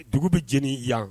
Dugu bɛ jeni yan